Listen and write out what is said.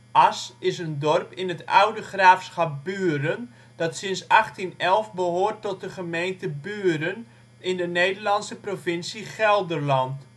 Asch is een dorp in het oude Graafschap Buren dat sinds 1811 behoort tot de gemeente Buren in de Nederlandse provincie Gelderland